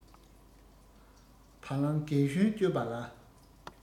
བ ལང རྒན གཞོན དཔྱོད པ ལ